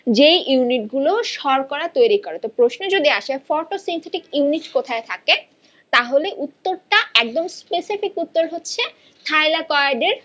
যে ইউনিটগুলো শর্করা তৈরি করে প্রশ্ন যদি আসে ফটোসিনথেটিক ইউনিট কোথায় থাকে তাহলে উত্তরটা একদম স্পেসিফিক উত্তর হচ্ছে থাইলাকয়েড এর